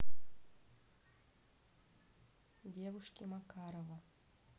девушки макарова